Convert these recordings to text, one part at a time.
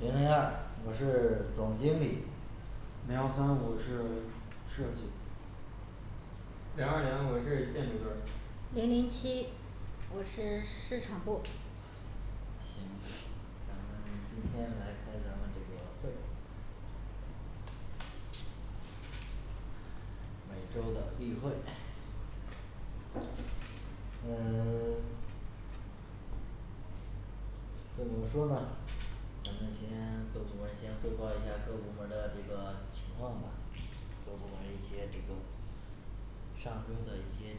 零零二我是 总经理零幺三我是设计零二零我是建筑队儿零零七我是市场部行。 咱们今天来开咱们这个会每周的例会，嗯 怎么说呢？咱们先 各部门儿先汇报一下各部门儿的这个情况吧，各部门儿一些这个上周的一些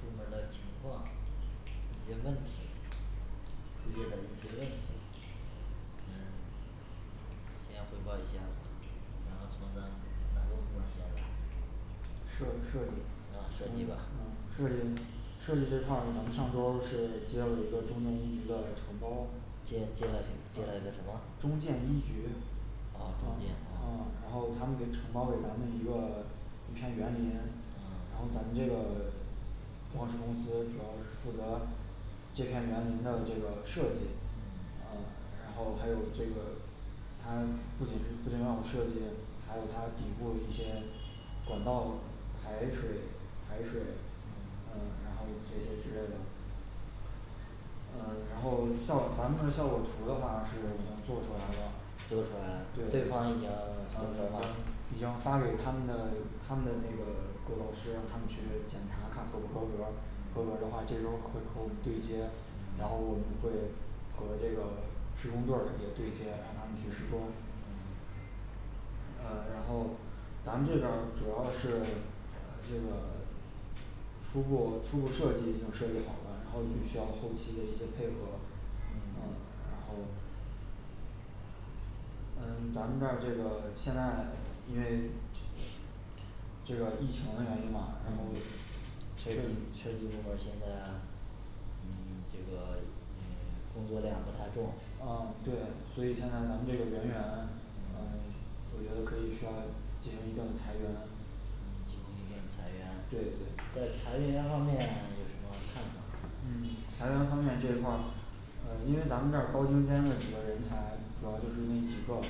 部门儿的情况，一些问题，遇到的一些问题，嗯 先汇报一下儿，然后从咱哪个部门儿先来设设计啊啊啊，设设计计吧设计这块儿我们上周儿是接了一个中建一局的承包接接了接了个什么中建一局嗯啊中建啊嗯，然后他们就承包给咱们一个一片园林，然啊后咱们这个装修公司主要是负责这片园林它的这个设计嗯嗯，然后还有这个它不仅是不仅要设计，还有它底部一些管道排水排水嗯嗯，然后这些之类的嗯然后像咱们这效果图的话是已经做出来了做出来了，这块儿对已经合格儿吗，嗯，嗯，嗯，嗯已经发给他们的他们的那个构造师让他们嗯去检查，看合不合格儿合嗯格儿的话，这周儿会和我们对接，嗯然后我们会和这个施工队儿也对接，让他们去施嗯工嗯呃然后咱们这边儿主要是呃这个初步初步设计已经设计好了，然后就需要嗯后期的一些配合。嗯，嗯然后呃，咱们这儿这个现在因为这 这个疫情的原因嘛，然后嗯，设计部门儿现在嗯 这个呃工作量不太重，嗯呃对，所以现在咱们这个人员呃我觉得可以稍微进行一定裁员嗯，进行一定裁员，对在对裁员方面有什么看法儿？对，嗯裁员方面这一块儿呃因为咱们这儿高精尖的那几个人才主要就是那几个，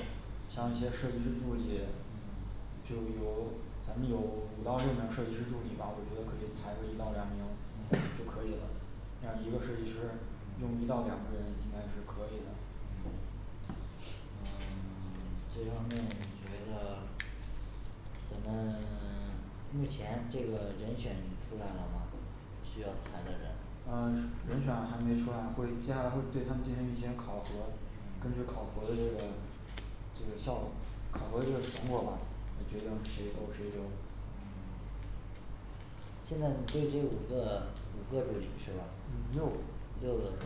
像一些设计师助理，嗯就有咱们有五到六名儿设计师助理吧，我觉得可以裁个一到两名 就可以了呃一个设计师用一到两个人应该是可以的。 嗯嗯 这方面你觉得咱们 目前这个人选出来了吗？需要裁的人，嗯，人选还没出来，会接下来会对他们进行一些考核。根嗯据考核的这个就是效果，考核就是成果嘛，决定谁走谁留嗯现在对这五个五个助理是吧？嗯，六个，六个助理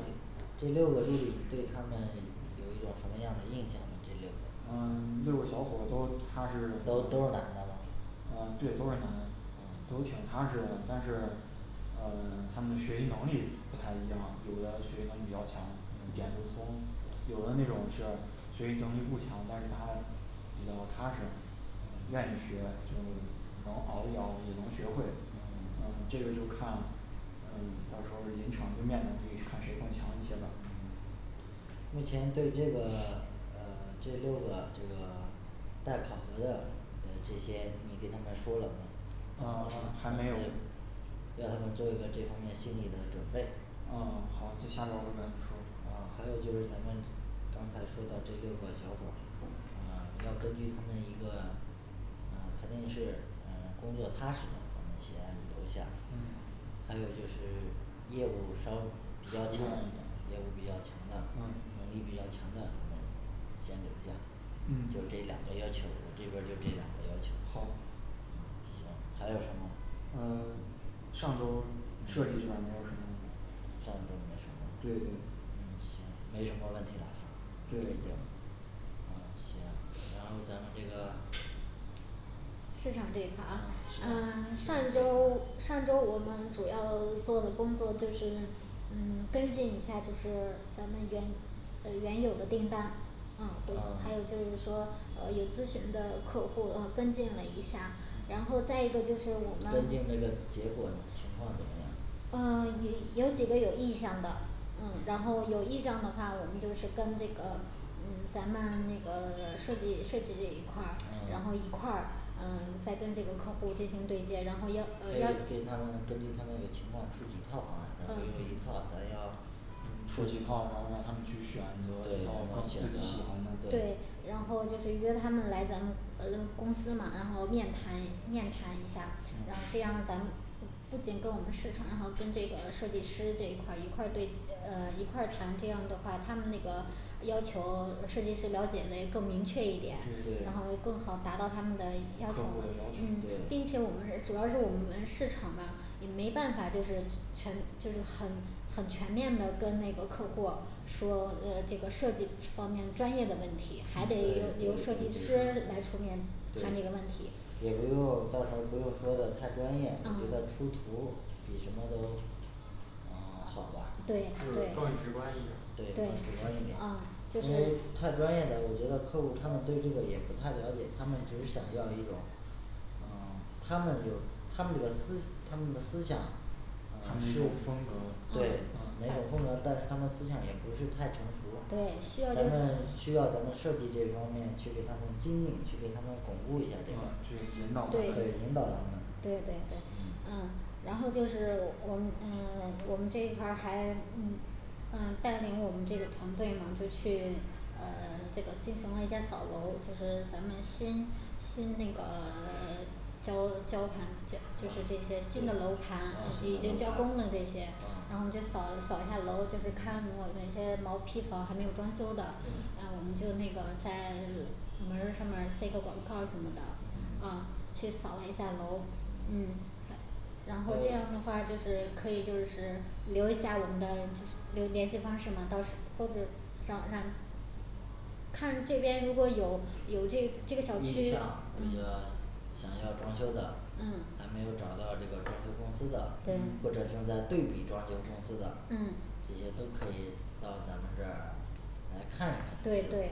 这六个助理你对他们有一种什么样的印象呢这六个嗯六个小伙都踏实都都是男的吗嗯对，都是男的嗯都挺长时间了，但是呃他们的学习能力不太一样啊，有的学习能力比较强，一点就通，有的那种是学习能力不强，但是他比较踏实，嗯愿意学这种能熬一熬也能学会。嗯这个就看嗯到时候儿临场应变能力看谁更强一些了。嗯目前对这个呃 这六个这个待考核的呃这些你给他们说了没嗯 还没有要他们做一个这方面心理的准备。嗯，好就下边儿我给他们说嗯，还有就是咱们刚才说到这六个小伙儿呃要根据他们一个嗯肯定是呃工作踏实咱们先留下嗯还有就是业务稍微比熟较练强业务一点比较强的嗯能力比较强的，咱们先留下就嗯这两个要求，这边儿就这两个要求。好嗯，行还有什么？嗯 上周儿设计这边儿没有什么上周儿没什么问题对嗯，行，没什么问题了行对然后行然后咱们这个市场这一块儿啊啊，行嗯上一周儿上一周儿我们主要做的工作就是嗯跟进一下儿就是咱们原呃原有的订单，嗯，都还有啊就是说呃有咨询的客户儿呃跟进了一下儿，然后再一个就是我们跟进那个结果情况怎么样嗯，也有有几个有意向的，嗯，然后有意向的话我们就是跟这个嗯咱们那个设计设计这一块儿，嗯然后一块儿嗯再跟这个客户儿进行对接，然后要呃对要，对他们根据他们的情况出几套方案，出嗯一套咱要嗯，出几套让他们去选择对一，套让他更们去选自己喜欢择的对对，然后就是约他们来咱们呃公司嘛，然后面谈面谈一下儿然后这样嗯咱们不不仅跟我们市场上跟这个设计师这一块儿一块儿对呃一块儿谈，这样的话他们那个要求设计师了解的也更明确对一点，然后对更好达到他们的客户的要要求求，嗯，，对并且我们人 主要是我们市场嘛也没办法就是全就是很很全面的跟那个客户儿说呃这个设计方面专业的问题，还得由由设计师来出面对谈这个问题，也不用到到时候儿不用说的太专业，直接嗯出图儿比什么都嗯好吧对就是更对直观一点，对更直对观一点，嗯就因是为太专业的，我觉得客户儿他们对这个也不太了解，他们就是想要一种呃他们有他们的思他们的思想，他们哪种风格对嗯啊哪种风格儿，但是他们思想也不是太成熟对，需要咱就是们需要咱们设计这一方面去给他们经营，去给他们巩固一下儿这块儿去引导他对对们引导他们对对对嗯嗯然后就是我我们嗯我们这一块儿还嗯嗯带领我们这个团队嘛就去 呃 这个进行了一家扫楼，就是咱们新新那个 交交盘交就是这些新的楼盘已经交工的这些，然啊后就扫扫一下楼就是看呃哪些毛坯房还没有装修的，嗯啊我们就那个在门儿上面塞个广告什么的，嗯呃，去扫了一下楼嗯，嗯扫然后这呃样的话就是可以就是留一下我们的就是留联系方式嘛，到时或者然后让看这边如果有有这这个你想小区嗯那个嗯想要装修的还嗯没有找到这个装修公司的嗯或者对正在对比装修公司的，嗯这些都可以到咱们这儿来看一看对对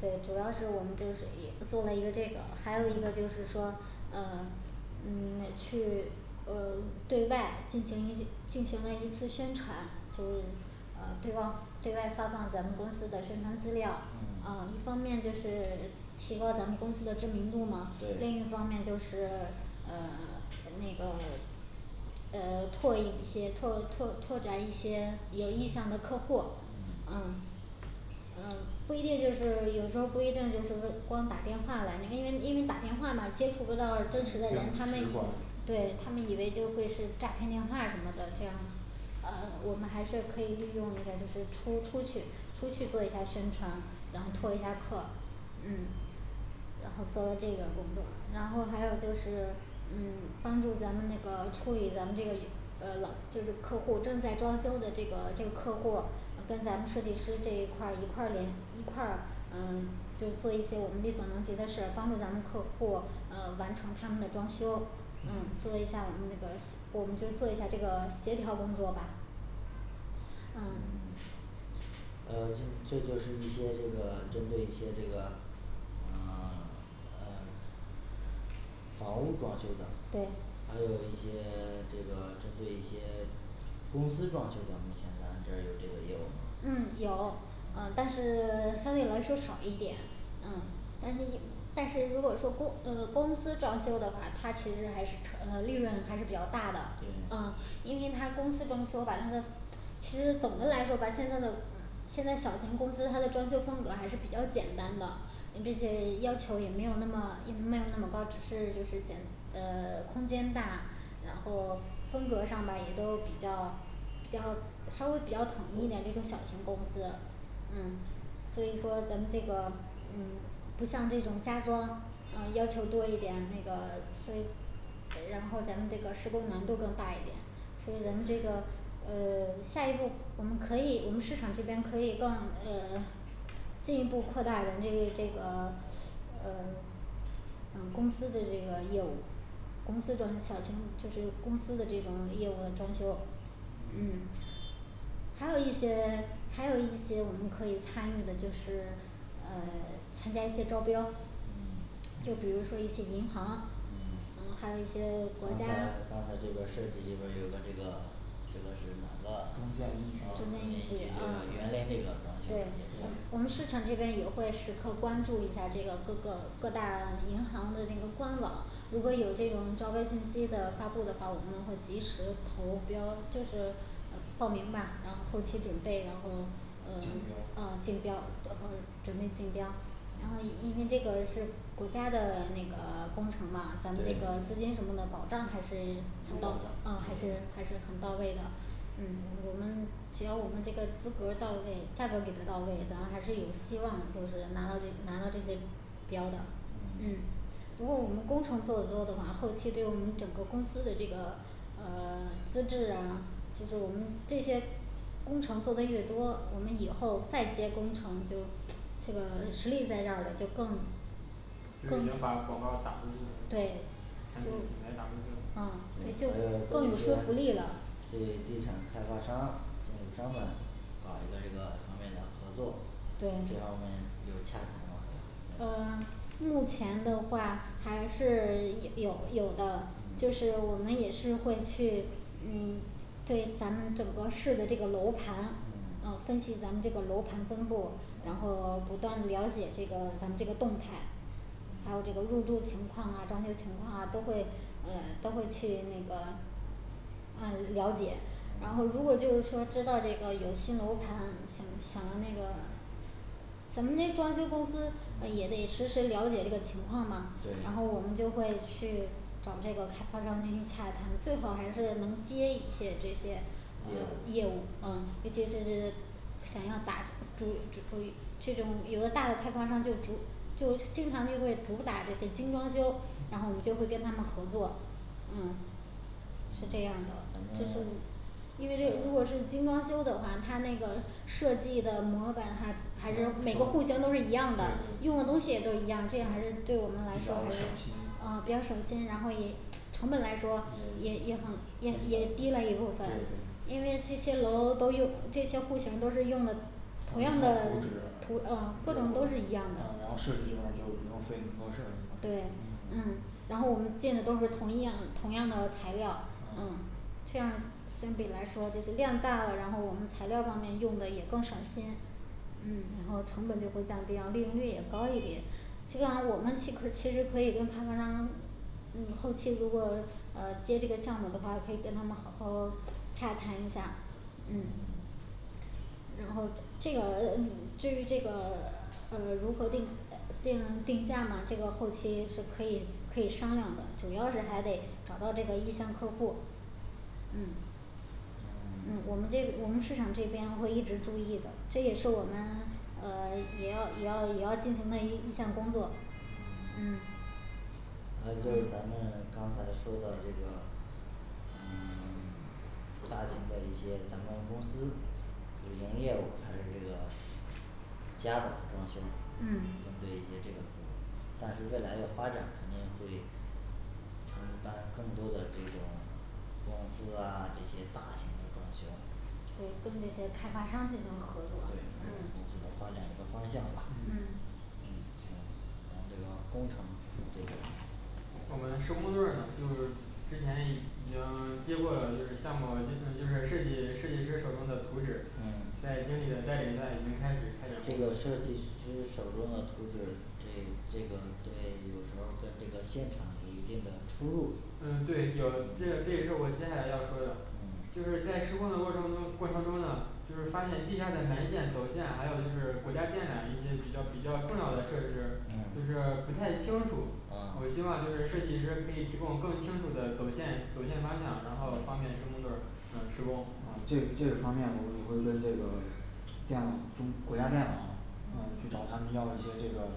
对。主要是我们就是也做了一个这个，还有一嗯个就是说呃嗯去呃对外进行一进行了一次宣传，就呃对外对外发放咱们公司的宣传资料，嗯啊一方面就是提高咱们公司的知名度嘛，对另一方面就是呃 呃那个呃拓一些拓拓拓展一些有意向的客户儿，嗯嗯呃不一定就是有时候儿不一定就是光打电话来那，因为因为打电话嘛接触不到嗯真更直实的观人，他们对他们以为就会是诈骗电话什么的，这样呃我们还是可以利用一下儿就是出出去出去做一下儿宣传，然后拓一下客，嗯然后做了这个工作，然后还有就是 嗯 帮助咱们那个处理咱们这个一呃老就是客户正在装修的这个这个客户嗯跟咱们设计师这一块儿一块儿研一块儿呃就做一些我们力所能及的事儿，帮着咱们客户儿呃完成他们的装修，嗯，嗯做一下儿我们那个我们就做一下儿这个协调工作吧。嗯嗯呃就是这就是一些这个针对一些这个呃 呃 房屋装修的，对还有一些这个针对一些公司装修咱们目前咱这儿有这个业务嗯，吗有，呃但嗯是 相对来说少一点嗯但是也但是如果说公呃公司装修的话，它其实还是纯 呃利润还是比较大的，啊对，因为它公司装修吧他这其实总的来说吧现在的现在小型公司它的装修风格还是比较简单的，并且要求也没有那么也没有那么高，只是就是简呃 空间大，然后风格上吧也都比较比较稍微比较统一一点这种小型公司，嗯所以说咱们这个嗯不像这种家装啊要求多一点，那个所以呃然后咱们这个施工难度更大一点，所以咱们这个呃 下一步我们可以我们市场这边可以更呃进一步扩大咱这这个呃 呃公司的这个业务公司转小型就是公司的这种业务的装修，嗯还有一些 还有一些我们可以参与的就是呃 参加一些招标，嗯就比如说一些银行，嗯嗯还有一些国刚家才刚才这个设计这边儿有个这个这个是哪个，嗯中，中建建中建一局一一局局这啊个园林那个装修对，我我也是们市场这边也会时刻关注一下这个各个各大银行的那个官网，如果有这种招标信息的发布的话，我们会及时投标。 就是呃报名吧，然后后期准备然后，嗯，竞标呃竞标，然后准备竞标然后因因为这个是国家的那个工程嘛，咱们这对个资金什么的保障还是很高的，啊，还是还是很到位的嗯，我们只要我们这个资格儿到位，价格儿给他到位，咱还是有希望就是拿到这拿到这些标的嗯嗯不过我们工程做的多的话，后期对我们整个公司的这个呃 资质啊，就是我们这些工程做的越多，我们以后再接工程就这个实力在这儿了就更就已经把更广告儿打出去了。对产就品品牌打出去了。嗯对还要，对就更跟有一说服力些了对地产开发商建筑商们搞一个这个方面的合作，这方对面有洽谈吗？呃 目前的话还是有有有的嗯，就是我们也是会去嗯对咱们整个市的这个楼盘，嗯嗯，分析咱们这个楼盘分布，然嗯后不断了解这个咱们这个动态还有嗯这个入住情况啊，装修情况啊都会呃都会去那个嗯，了解，嗯然后如果就是说知道这个有新楼盘想想的那个咱们这装修公司呃也嗯得时时了解这个情况儿嘛，然后对我们就会去找这个开发商进行洽谈，最好还是能接一些这些呃业业务务，嗯，这些就是想要打主指挥，这种有了大的开发商就主就经常就会主打这些精装修，然后我们就会跟他们合作，嗯是这样嗯的，咱这是们我因为这如果是嗯精装修的话，它那个设计的模板啊还嗯对对对是每个户型儿都是一样的，用的东西也都是一样，这样还是对我比们来较说还是省心啊比较省心，然后也成本来说嗯也也也很也也比低较了一部分对对对因为这些楼都用这些户型儿都是用的同同样样的的图纸图，嗯，各种都是一样然的。后设计这块儿就不用费那么多事儿了对，嗯嗯，然后我们进的都是同一样同样的材料儿，嗯嗯这样相比来说就是量大了，然后我们材料方面用的也更省心嗯，然后成本就会降低，然后利用率也高一点，这个我们其可其实可以跟开发商嗯，后期如果呃接这个项目的话，可以跟他们好好洽谈一下儿。嗯嗯然后这个 嗯至于这个 呃如何定呃定定价呢，这个后期是可以可以商量的，主要是还得找到这个意向客户嗯嗯 嗯我们这我们市场这边我会一直注意的，这也是我们呃也要也要也要进行的一一项工作。嗯嗯还有就是嗯咱们刚才说的这个呃 大型的一些咱们公司主营业务还是这个家的装修嗯针对一些这个，但是未来的发展肯定会承担更多的这种公司啊这些大型的装修对跟这些开发商进行合作，嗯对，发展发展一个方向嘛嗯嗯嗯，行。 咱们这个工程这边儿我们施工队儿呢就之前已已经接过了就是项目进行就是设计设计师手中的图纸嗯，在经理的带领下已经开始开展这工作了个设计师手中的图纸对这个对有时候儿跟这个现场有一定的出入，嗯，对有这嗯这是我接下来要说的。就嗯是在施工的过程中过程中呢就是发现地下的门线走线，还有就是国家电缆一些比较比较重要的设施就嗯是不太清楚我嗯希望就是设计师可以提供更清楚的走线走线方向然后嗯方便施工队儿嗯施工呃这这方面我们会跟这个电网中国家电网，嗯，去找他们要一些这个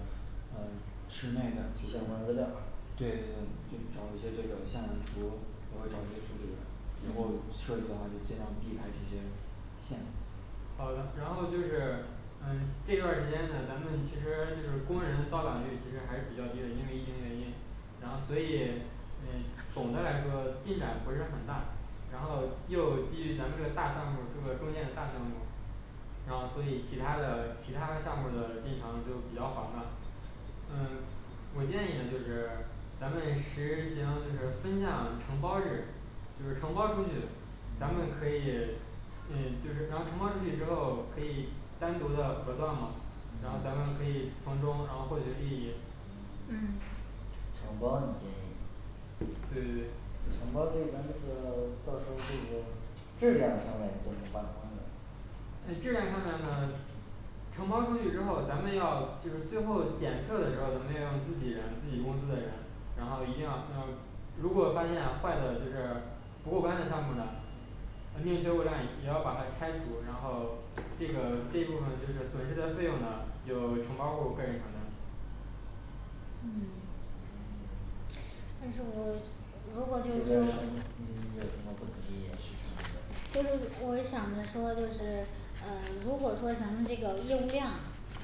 呃室内的相关资料儿对对对，就找一些这个项目图，然后找一些图纸以后嗯设计的话就尽量避开这些线好的，然后就是呃这段儿时间咱们其实就是工人到岗率其实还是比较低的，因为疫情原因然后所以嗯总的来说进展不是很大，然后又基于咱们这大项目儿这个中建的大项目儿然后所以其他的其他项目儿的进程就比较缓慢，嗯 我建议呢就是咱们实行就是分项承包制，就是承包出去咱们嗯可以嗯就是咱承包出去之后可以单独的核算嘛，然后咱们可以从中啊获取利益嗯嗯承包你建议。对承包对咱们这个到时候儿这个质量上面怎么把关呢呃质量上面呢，承包出去之后，咱们要就是最后检测的时候，咱们要用自己人自己公司的人，然后一定要要如果发现坏的就是不过关的项目呢肯定修上也要把它拆除，然后这个这部分就是损失的费用呢就由承包户儿个人承担。嗯，咱们但是我，如果就是说，嗯有什么不同意见市场部儿就是我想着说就是嗯，如果说咱们这个业务量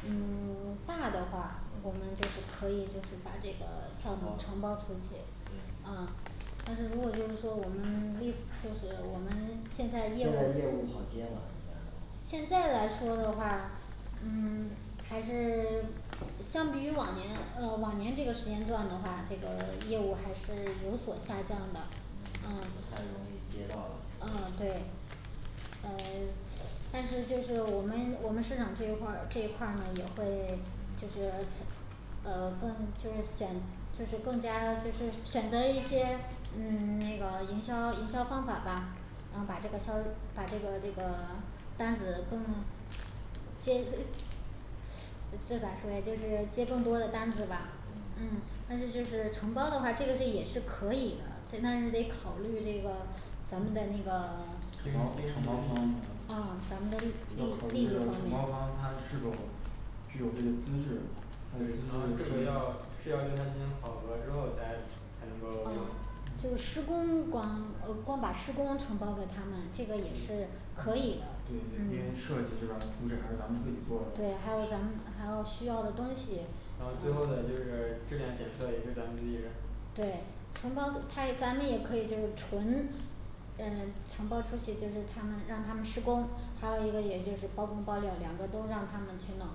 嗯 大的话，我们就嗯是可以就是把这个 项目儿承承包包出去，对啊，但是如果就是说我们力就是我们现现在在业业务务好接吗现在现在来说的话嗯 还是 嗯相比于往年呃往年这个时间段的话，这个业务还是有所下降的，嗯嗯不太容易接到了，现嗯在对呃 但是就是我们我们市场这一块儿这一块儿呢，也会 就嗯是呃更就是选就是更加就是选择一些嗯，那个营销营销方法吧然后把这个稍微把这个这个单子更建议呃呃这咋说呀 就是接更多的单子吧，嗯嗯，但是就是承包的话这个是也是可以的，咱但是得考虑这个咱们的那个 呃，咱们的要利考虑利这润方面个承包方他是否具有这资质？他的呃资这质个要是否是要对他进行考核之后再才能够用嗯的，就施工，光呃光把施工承包给他们，这个也是可以的对嗯，因为设计是吧，图纸还是咱们自己做对的还有咱们还有需要的东西然后最后呢就是质量检测也是咱们自己人对承包他咱们也可以就是纯嗯，承包出去，就是他们让他们施工，还有一个也就是包工包料儿两个都让他们去弄